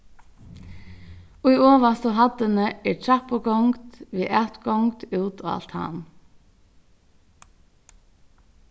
í ovastu hæddini er trappugongd við atgongd út á altan